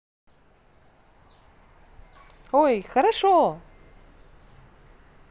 ой хорошо